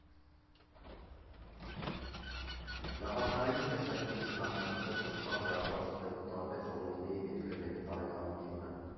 Գաղափարային տեսանկյունից նախագիծը կոչված է արտացոլելու տարբեր ժողովուրդների և երկրների բարեկամությունը։